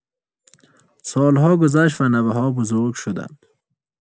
سال‌ها گذشت و نوه‌ها بزرگ شدند.